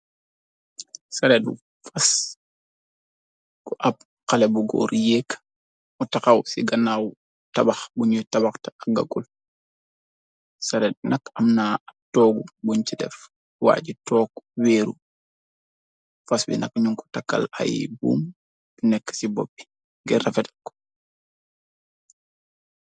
Sared fas ku ab xale bu góor yéek mu taxaw ci ganaaw tabax buñuy tabaxt ak gakul sared nak amna ak toogu buñ ci def waaji took weeru fas bi nak ñunku takkal ay buum nekk ci boppi ngir rafetekk.